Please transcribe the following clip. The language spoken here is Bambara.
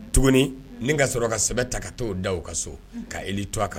Tuguni nin ka sɔrɔ ka sɛbɛn ta ka t'o da u ka so k'a Eli to a ka